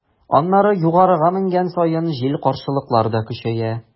Аннары, югарыга менгән саен, җил-каршылыклар да көчәя.